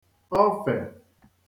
ọfè